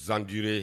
Zandie